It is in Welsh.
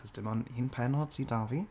cos dim ond un pennod sy 'da fi.